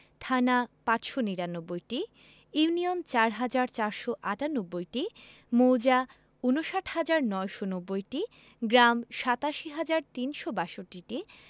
থানা ৫৯৯টি ইউনিয়ন ৪হাজার ৪৯৮টি মৌজা ৫৯হাজার ৯৯০টি গ্রাম ৮৭হাজার ৩৬২টি